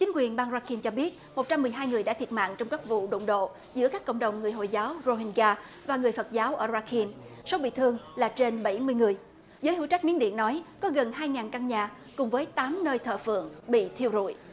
chính quyền bang ra kin cho biết một trăm mười hai người đã thiệt mạng trong các vụ đụng độ giữa các cộng đồng người hồi giáo rô hin ga và người phật giáo ở ra kin số bị thương là trên bảy mươi người giới hữu trách miến điện nói có gần hai ngàn căn nhà cùng với tám nơi thờ phượng bị thiêu rụi